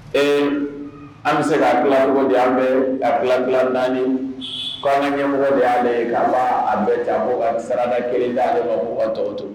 Ee an bɛ se kamɔgɔdiya abila naani kokɛmɔgɔ de' de ye ka a bɛɛ jasada kelen da'ale ma mɔgɔ tɔw to